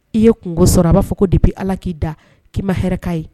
I ye kungogo sɔrɔ a b'a fɔ ko de bɛ ala k'i da k'i ma hɛrɛɛ ye